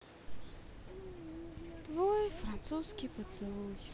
твой французский поцелуй